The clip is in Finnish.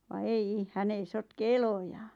vaan ei hän ei sotke eloja